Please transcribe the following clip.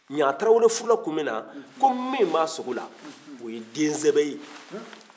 ɲa taarawele furula kun min na ko min b'a sogola o ye den sɛbɛ ye